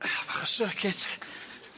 Ca'l bach o circuit.